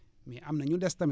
mais am na ñu des tamit